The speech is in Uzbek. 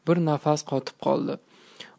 bir nafas qotib qoldi